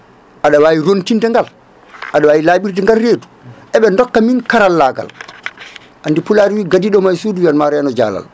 aɗa wawi rontinde ngal aɗa wawi laɓirde ngal reedu eɓe dokka min karallagal andi pulaar wi gadiɗoma e suudu wiyatma reno jaalal